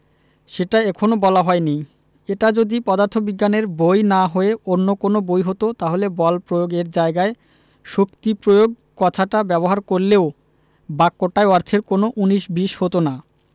সেটা এখনো বলা হয়নি এটা যদি পদার্থবিজ্ঞানের বই না হয়ে অন্য কোনো বই হতো তাহলে বল প্রয়োগ এর জায়গায় শক্তি প্রয়োগ কথাটা ব্যবহার করলেও বাক্যটায় অর্থের কোনো উনিশ বিশ হতো না